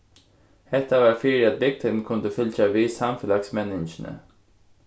hetta var fyri at bygdin kundi fylgja við samfelagsmenningini